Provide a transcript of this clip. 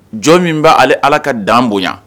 Jɔn min ba ale Ala ka dan boɲa